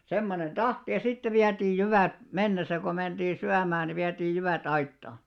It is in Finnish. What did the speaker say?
semmoinen tahti ja sitten vietiin jyvät mennessä kun mentiin syömään niin vietiin jyvät aittaan